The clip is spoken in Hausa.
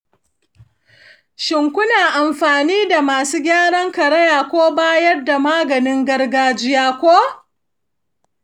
shin ku na amfani da masu gyaran karaya ko bayar da magani na gargajiya ko?